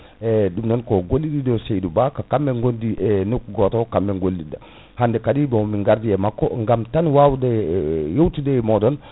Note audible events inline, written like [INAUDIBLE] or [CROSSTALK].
eyyi ɗum non ko gondidiɗo Saydou Ba ko kamɓe gondi e nokku goto kamɓe gollidɗa [BREATH] hande kadi bon min gardi e makko gam tan wawde ee yewtude e moɗon